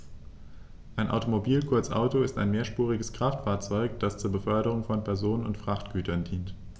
Ein Automobil, kurz Auto, ist ein mehrspuriges Kraftfahrzeug, das zur Beförderung von Personen und Frachtgütern dient.